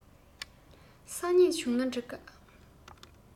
སང ཉིན བྱུང ན འགྲིག ག